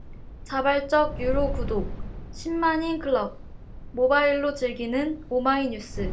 자발적 유료 구독 십 만인클럽 모바일로 즐기는 오마이뉴스